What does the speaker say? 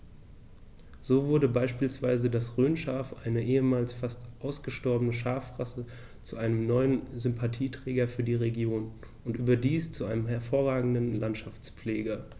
So wurde beispielsweise das Rhönschaf, eine ehemals fast ausgestorbene Schafrasse, zu einem neuen Sympathieträger für die Region – und überdies zu einem hervorragenden Landschaftspfleger.